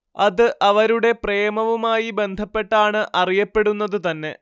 അത് അവരുടെ പ്രേമവുമായി ബന്ധപ്പെട്ടാണ് അറിയപ്പെടുന്നതു തന്നെ